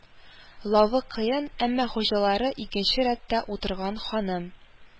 Лавы кыен, әмма хуҗалары икенче рәттә утырган ханым